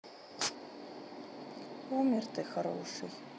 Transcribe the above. умер ты хороший